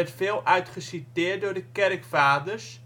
veel uit geciteerd door de kerkvaders